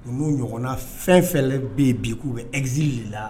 U'o ɲɔgɔnna fɛn fɛn bɛ yen bi k'u bɛ egzali de la